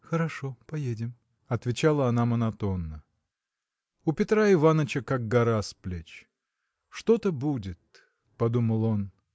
– Хорошо, поедем, – отвечала она монотонно. У Петра Иваныча – как гора с плеч. Что-то будет! – подумал он.